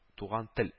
Туган тел